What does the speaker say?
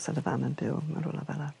sa dy fam yn byw mewn rywla fel 'a.